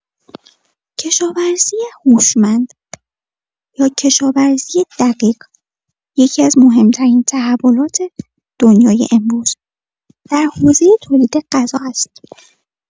کشاورزی هوشمند یا کشاورزی دقیق یکی‌از مهم‌ترین تحولات دنیای امروز در حوزه تولید غذا است.